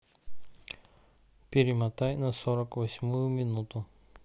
перемотай на сорок восьмую минуту